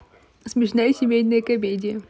смешная семейная комедия